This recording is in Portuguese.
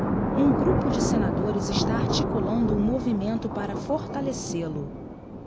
um grupo de senadores está articulando um movimento para fortalecê-lo